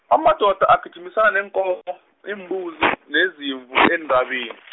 amadoda agijimisana neenko-, iimbuzi, nezimvu, eentaben-.